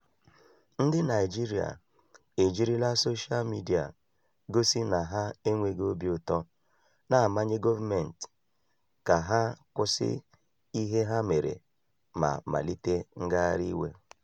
Ndị Naịjirịa ejirila soshaa midịa gosi na ha enweghị obi ụtọ, na-amanye gọọmentị ka ha kwụsị ihe ha mere ma kpalite ngagharị iwe: